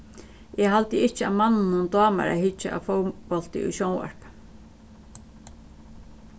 eg haldi ikki at manninum dámar at hyggja at fótbólti í sjónvarpi